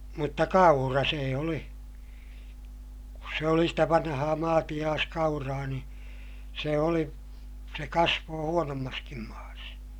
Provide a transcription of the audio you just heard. mutta kaura se oli kun se oli sitä vanhaa maatiaiskauraa niin se oli se kasvoi huonommassakin maassa